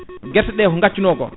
guerte ɗe ko gaccuno ko